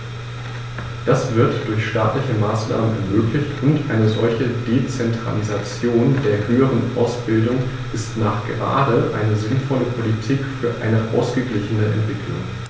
Das wird durch staatliche Maßnahmen ermöglicht, und eine solche Dezentralisation der höheren Ausbildung ist nachgerade eine sinnvolle Politik für eine ausgeglichene Entwicklung.